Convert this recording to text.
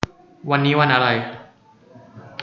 วันนี้วันอะไร